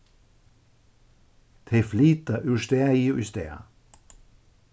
tey flyta úr staði í stað